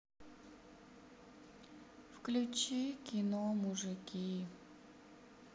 включи кино мужики